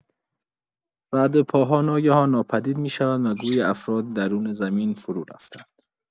ردپاها ناگهان ناپدید می‌شوند و گویی، افراد درون زمین فرورفته‌اند.